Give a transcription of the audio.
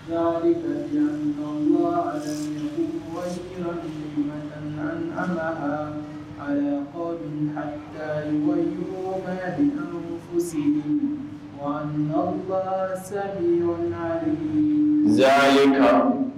Sanri jaseku wa a y' ko min a taa wa bɛ sigi wa sɛ zyi yo